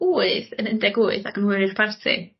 wyth yn undeg wyth ac yn hwyr i'r parti?